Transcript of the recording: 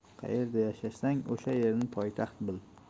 qayerda yashasang o'sha yerni poytaxt bil